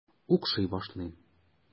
Укшый башлыйм.